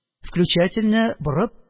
Включательне борып,